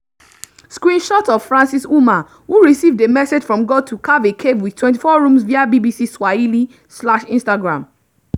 Screenshot of Francis Ouma, who received a message from God to carve a cave with 24 rooms via BBC Swahili / Instagram.